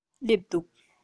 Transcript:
སླེབས འདུག